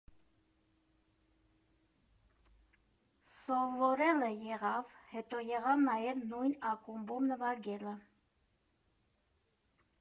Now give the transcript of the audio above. Սովորելը եղավ, հետո եղավ նաև նույն ակումբում նվագելը։